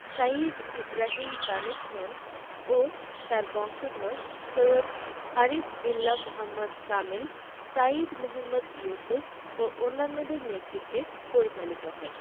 সাইয়্যিদ ইবরাহিম দানিশমন্দ ও তাঁর বংশধর সৈয়দ আরিফ বিল্লাহ মুহাম্মদ কামেল সাইয়্যিদ মুহম্মদ ইউসুফ ও অন্যান্যদের নেতৃত্বে পরিচালিত হয়